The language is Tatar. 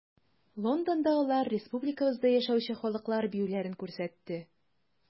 Лондонда алар республикабызда яшәүче халыклар биюләрен күрсәтте.